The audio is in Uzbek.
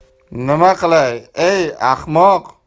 nima qilay ey ahmoq